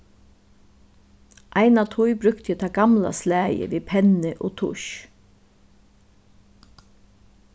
eina tíð brúkti eg tað gamla slagið við penni og tussj